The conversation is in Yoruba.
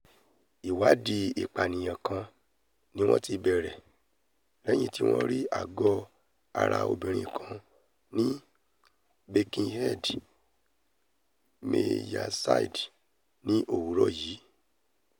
Ìwáàdí ìpànìyàn kan ni wọ́n ti bẹ̀rẹ̀ lẹ́yìn tí wọ́n rí àgọ́-ara obìnrin kaǹ ní Birkenhead, Merseyside ní òwúrọ̀ yìí.